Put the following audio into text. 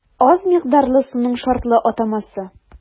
Аз микъдарлы суның шартлы атамасы.